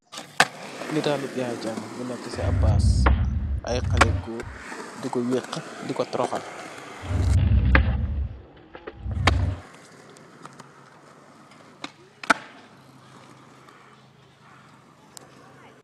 Nittali Yaya Jammeh bu nekka ci am bass, ay xali goor diko wéx, diko toroxal.